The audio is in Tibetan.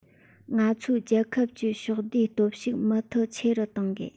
ང ཚོའི རྒྱལ ཁབ ཀྱི ཕྱོགས བསྡུས སྟོབས ཤུགས མུ མཐུད ཆེ རུ གཏོང དགོས